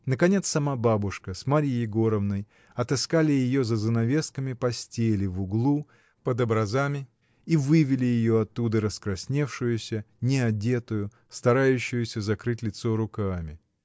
Наконец сама бабушка с Марьей Егоровной отыскали ее за занавесками постели в углу, под образами, и вывели ее оттуда, раскрасневшуюся, неодетую, старающуюся закрыть лицо руками.